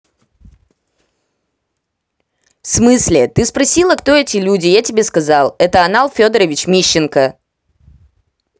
в смысле ты спросила кто эти люди я тебе сказал это анал федорович мищенко